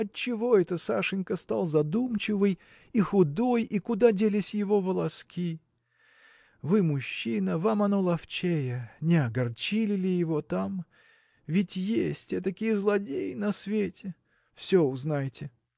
отчего это Сашенька стал задумчивый и худой и куда делись его волоски? Вы мужчина: вам оно ловчее. не огорчили ли его там? ведь есть этакие злодеи на свете. все узнайте.